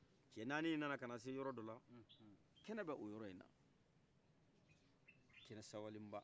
cɛ nani nana ka se yɔrɔ dola kɛnɛ bɛ o yɔrala kɛ sawalenb